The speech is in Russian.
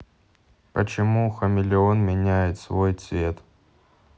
почему хамелеон меняет свой цвет